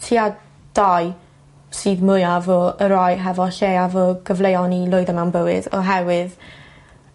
tua dou sydd mwyaf o y rai hefo lleiaf o gyfleon i lwyddo mewn bywyd oherwydd